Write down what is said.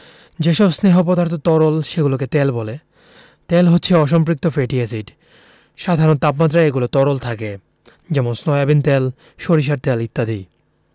যেসব স্নেহ পদার্থ তরল সেগুলোকে তেল বলে তেল হচ্ছে অসম্পৃক্ত ফ্যাটি এসিড সাধারণ তাপমাত্রায় এগুলো তরল থাকে যেমন সয়াবিন তেল সরিষার তেল ইত্যাদি